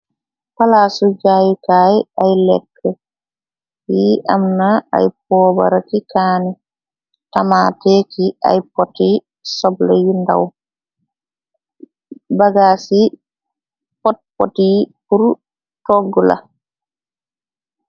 Palaasu jaayukaay ay lekk, yi am na ay poobaraki kaani, tamaté ki ay poti sobla yu ndaw, bagaas yi, pot-pot yi pur togg la.